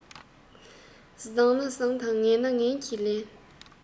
བཟང ན བཟང དང ངན ན ངན གྱིས ལན